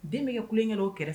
Den bɛ kɛ kulenkɛ o kɛrɛfɛ